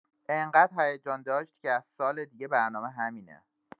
انقد هیجان داشت که از سال دیگه برنامه همینه!